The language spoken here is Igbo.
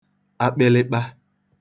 akpịlịkpa